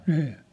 niin